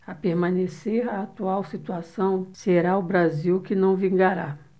a permanecer a atual situação será o brasil que não vingará